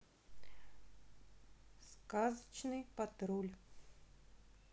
сказочный патруль